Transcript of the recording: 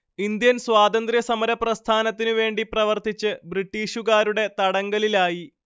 Indian സ്വാതന്ത്ര്യ സമരപ്രസ്ഥാനത്തിനു വേണ്ടി പ്രവർത്തിച്ച് ബ്രിട്ടീഷുകാരുടെ തടങ്കലിലായി